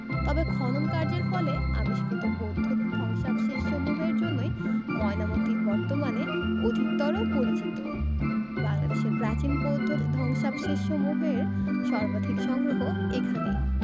তবে খননকার্যের ফলে আবিষ্কৃত বৌদ্ধ ধ্বংসাবশেষসমূহের জন্যই ময়নামতী বর্তমানে অধিকতর পরিচিত বাংলাদেশের প্রাচীন বৌদ্ধ ধ্বংসাবশেষসমূহের সর্বাধিক সংগ্রহ এখানেই